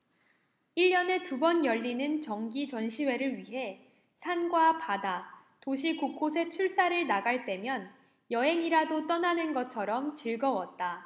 일 년에 두 번 열리는 정기 전시회를 위해 산과 바다 도시 곳곳에 출사를 나갈 때면 여행이라도 떠나는 것처럼 즐거웠다